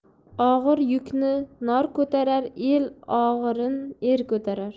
og'ir yukni nor ko'tarar el og'irin er ko'tarar